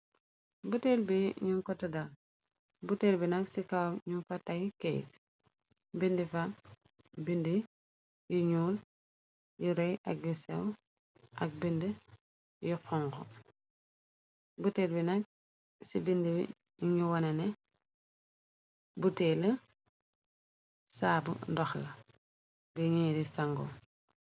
buteel bi ñu kotadal buteel bi nag ci kaw ñu fatay keyt bind fa bind yu ñuul yu rëy ak yu sew ak bind yu xonko buteel bi nag ci bind ñu wana ne buteel saab ndoxla bi ñeeri sango